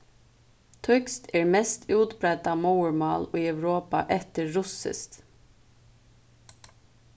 týskt er mest útbreidda móðurmál í europa eftir russiskt